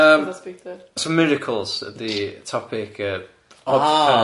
Yym so miracles ydi topic yy Odpeth.